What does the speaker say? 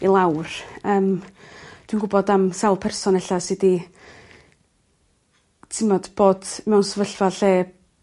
i lawr yym dwi'n gwbod am sawl person ella sy 'di t'mod bot mewn sefyllfa lle